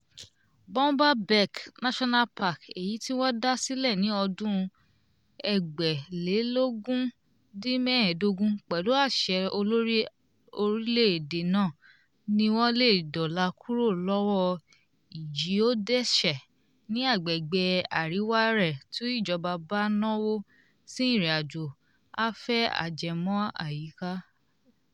Boumba Bek National Park, èyí tí wọ́n dá sílẹ̀ ní ọdún 2005 pẹ̀lú àṣẹ Olórí Orílẹ̀ èdè náà, ni wọ́n le dóòlà kúrò lọ́wọ́ ìjíọdẹṣe ní agbègbè àríwá rẹ̀ tí ìjọba bá náwó sí ìrìn àjò afé ajẹmọ́ àyíká.